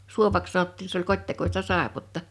suovaksi sanottiin se oli kotitekoista saippuaa